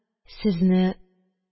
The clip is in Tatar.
Сезне